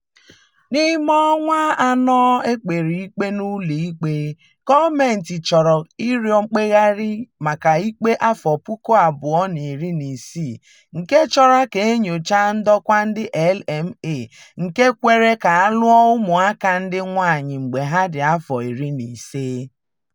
N’ime ọnwa anọ e kpere ikpe n’ụlọikpe, gọọmenti chọrọ ịrịọ mkpegharị maka ikpe 2016 nke chọrọ ka e nyochaa ndokwa ndị nke LMA nke kwere ka a lụọ ụmụaka ndị ngwaanyị mgbe ha dị afọ 15.